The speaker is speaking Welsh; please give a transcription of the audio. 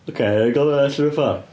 Ocê, wnawn ni gael hwnna allan o'r ffordd?